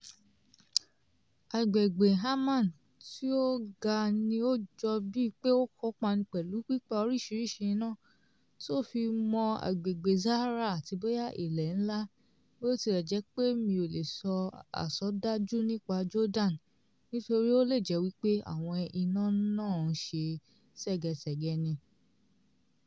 Àgbègbè Amman tí ó ga ni ó jọ bíi pé ó kópa pẹ̀lú pípa oríṣiríṣi iná, tí ó fi mọ́ àgbègbè Zahra, àti bóyá ilé ńlá (Bí ó tilẹ̀ jẹ́ pé mi ò lè sọ àsọdájú nípa Jordan nítorí ó lè jẹ́ wí pé àwọn iná náà ń ṣe ségesège ni).